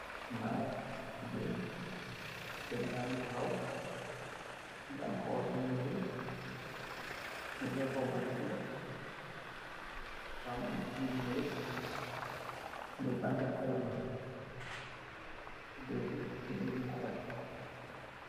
Maangy gis gigain, gigain baangy takhaw, mungy am kawarr bu njull, mungy wekok bubou bu gudu, am birr nehgg, nehgg bangy am aiiy ridoh, ridoh yu gudu, ridoh yii njung kor takue.